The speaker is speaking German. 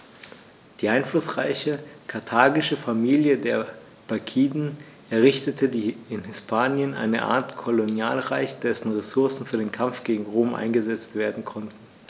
Die einflussreiche karthagische Familie der Barkiden errichtete in Hispanien eine Art Kolonialreich, dessen Ressourcen für den Kampf gegen Rom eingesetzt werden konnten.